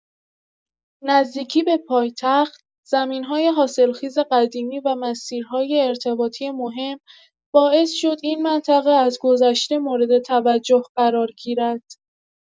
نزدیکی به پایتخت، زمین‌های حاصلخیز قدیمی و مسیرهای ارتباطی مهم باعث شد این منطقه از گذشته مورد توجه قرار گیرد.